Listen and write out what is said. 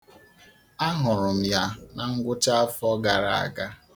Ahụrụ m ya na ngwụchaafọ gara aga.